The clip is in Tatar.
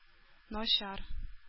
Начар